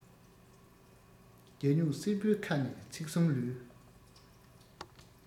རྒྱ སྨྱུག གསེར པོའི ཁ ནས ཚིག གསུམ ལུས